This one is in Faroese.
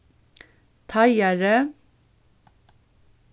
teigari